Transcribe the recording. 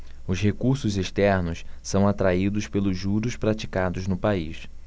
os recursos externos são atraídos pelos juros praticados no país